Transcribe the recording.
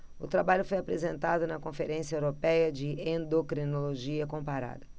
o trabalho foi apresentado na conferência européia de endocrinologia comparada